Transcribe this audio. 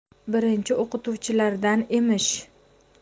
birinchi o'qituvchilardan emish